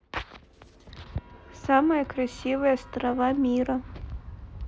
самые красивые острова мира